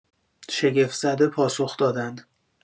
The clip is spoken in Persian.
شگفت‌زده پاسخ دادند